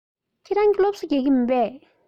ཁྱེད རང གིས ཁོ ལ སློབ གསོ རྒྱག གི ཡོད པས